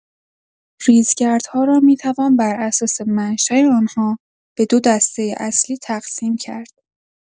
ریزگردها را می‌توان بر اساس منشأ آن‌ها به دو دسته اصلی تقسیم کرد.